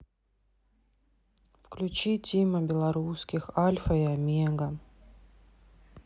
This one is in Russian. включи тима белорусских альфа и омега